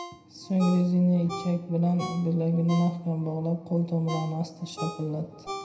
so'ng rezina ichak bilan bilagini mahkam bog'lab qo'l tomirlarini asta shapatiladi